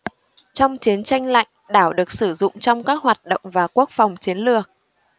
trong chiến tranh lạnh đảo được sử dụng trong các hoạt động và quốc phòng chiến lược